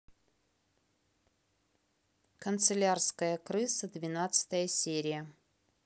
канцелярская крыса двенадцатая серия